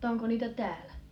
mutta onko niitä täällä